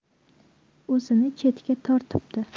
o'zini chetga tortibdi